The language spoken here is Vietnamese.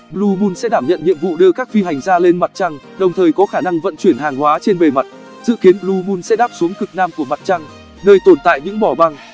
blue moon sẽ đảm nhận nhiệm vụ đưa các phi hành gia lên mặt trăng đồng thời có khả năng vận chuyển hàng hóa trên bề mặt dự kiến blue moon sẽ đáp xuống cực nam của mặt trăng nơi tồn tại những mỏ băng